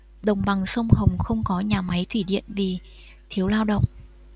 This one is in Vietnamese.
đồng bằng sông hồng không có nhà máy thủy điện vì thiếu lao động